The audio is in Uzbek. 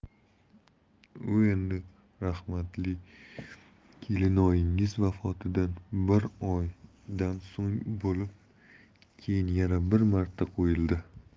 u endi rahmatli kelinoyingiz vafotidan bir oydan so'ng bo'lib keyin yana bir marta qo'yildi